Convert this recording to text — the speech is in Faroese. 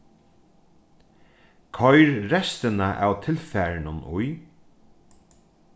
koyr restina av tilfarinum í